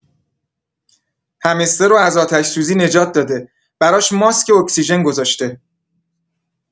همسترو از آتش‌سوزی نجات داده، براش ماسک اکسیژن گذاشته